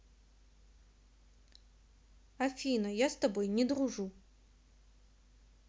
афина я с тобой не дружу